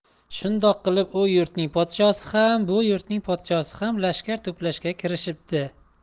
shundoq qilib u yurtning podshosi ham bu yurtning podshosi ham lashkar to'plashga kirishibdi